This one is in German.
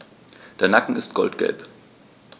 Der Nacken ist goldgelb.